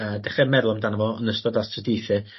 yy dechre meddwl amdano fo yn ystod astudiaethe